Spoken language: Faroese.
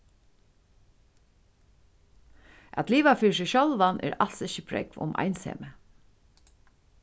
at liva fyri seg sjálvan er als ikki prógv um einsemi